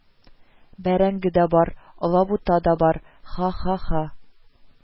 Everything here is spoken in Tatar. – бәрәңге дә бар, алабута да бар, ха-ха-ха